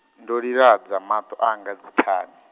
ndo liladza maṱo anga dzithani.